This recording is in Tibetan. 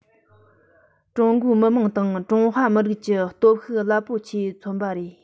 ཀྲུང གོའི མི དམངས དང ཀྲུང ཧྭ མི རིགས ཀྱི སྟོབས ཤུགས རླབས པོ ཆེ མཚོན པ རེད